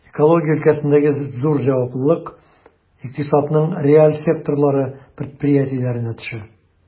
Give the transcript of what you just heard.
Экология өлкәсендәге зур җаваплылык икътисадның реаль секторлары предприятиеләренә төшә.